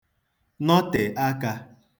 nọtè akā